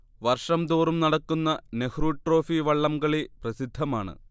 വർഷം തോറും നടക്കുന്ന നെഹ്രു ട്രോഫി വള്ളംകളി പ്രസിദ്ധമാണ്